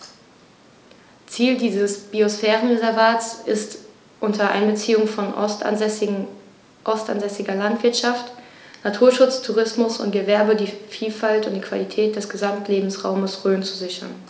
Ziel dieses Biosphärenreservates ist, unter Einbeziehung von ortsansässiger Landwirtschaft, Naturschutz, Tourismus und Gewerbe die Vielfalt und die Qualität des Gesamtlebensraumes Rhön zu sichern.